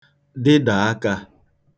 dịdà akā